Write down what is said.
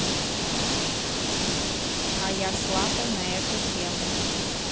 а я с лапой на эту тему